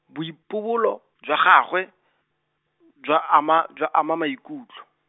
boipobolo, jwa gagwe, jwa ama jwa ama maikutlo.